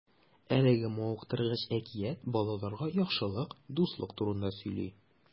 Әлеге мавыктыргыч әкият балаларга яхшылык, дуслык турында сөйли.